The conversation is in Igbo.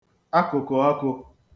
akụ̀kụ̀ ọkụ̄